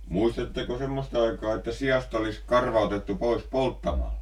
muistatteko semmoista aikaa että siasta olisi karva otettu pois polttamalla